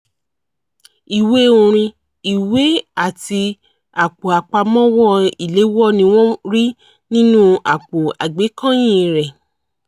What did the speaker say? Ìwé orin, ìwé àti àpò-àpawómọ́-ìléwọ́ ni wọ́n rí nínú àpò-àgbékọ́yìn-in rẹ̀.